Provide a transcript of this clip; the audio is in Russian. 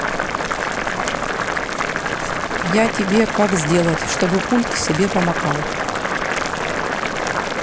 я тебе как сделать чтобы пульт себе помакал